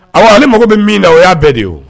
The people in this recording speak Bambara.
Awɔ ale mago bɛ min na,o y'a bɛɛ de ye wo